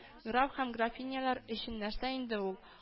Граф һәм графинялар өчен нәрсә инде ул